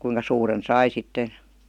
kuinka suuren sai sitten